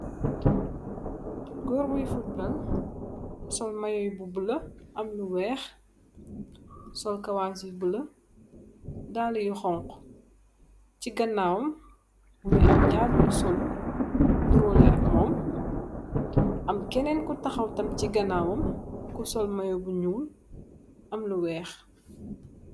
Goor buy fuutbool, sol mayo ...sol kawaas yu bulo, dallë yu xoñgu. Si ganaawam, mu ngi am ñaar ñu sollu, nirrole ak mom. Am kénén ku taxaw mom si ganaawam, ku sol mayo bu ñuul am lu weex.